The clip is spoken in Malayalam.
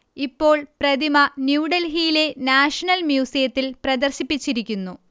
ഇപ്പോൾ പ്രതിമ ന്യൂഡൽഹിയിലെ നാഷണൽ മ്യൂസിയത്തിൽ പ്രദർശിപ്പിച്ചിരിക്കുന്നു